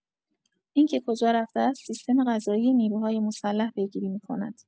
اینکه کجا رفته است، سیستم قضائی نیروهای مسلح پیگیری می‌کند.